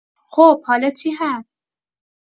خب حالا چی هست؟